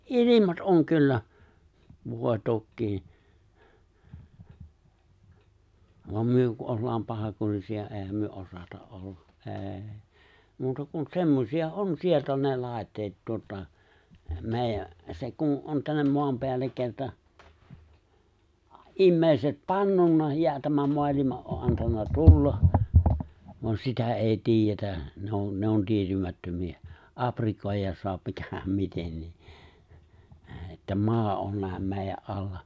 ilmat on kyllä voi tokiinsa vaan me kun ollaan pahankurisia eihän me osata olla ei muuta kuin semmoisia on sieltä on ne laitteet tuota meidän se kun on tänne maan päälle kerta ihmiset pannut ja tämän maailman on - antanut tulla vaan sitä ei tiedetä ne on ne on tietymättömiä aprikoida saa mikähän mitenkin että maa on näin meidän alla